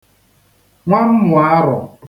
nwam̄mùarọ̀